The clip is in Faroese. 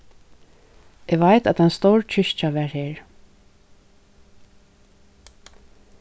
eg veit at ein stór kirkja var her